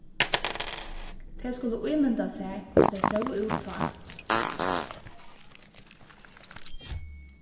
tey skulu ímynda sær hvussu tey sóu út tá